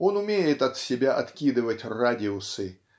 Он умеет от себя откидывать радиусы